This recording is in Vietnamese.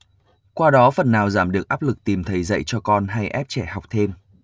qua đó phần nào giảm được áp lực tìm thầy dạy cho con hay ép trẻ học thêm